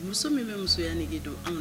Muso min bɛ musoya nige don anw